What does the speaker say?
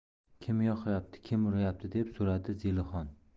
kim yoqyapti kim uryapti deb so'radi zelixon